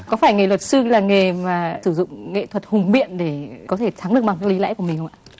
có phải nghề luật sư là nghề mà sử dụng nghệ thuật hùng biện để có thể thắng được bằng lý lẽ của mình không ạ